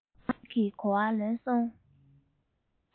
ངང གིས གོ བ ལོན སོང